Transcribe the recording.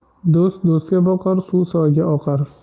do'st do'stga boqar suv soyga oqar